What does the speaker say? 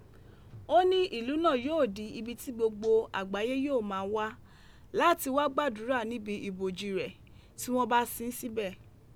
O ni ilu naa yoo di ibi ti gbogbo agbaye yoo ma a wa, lati wa gbadura nibi iboji rẹ, ti wọn ba sin sibẹ.